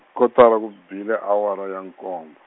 kotara ku bile awara ya nkombo.